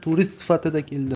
turist sifatida keldim